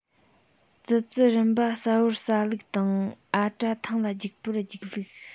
ཙི ཙི རམ པ ཟ བར ཟ ལུགས དང ཨ བྲ ཐང ལ རྒྱུག པར རྒྱུག ལུགས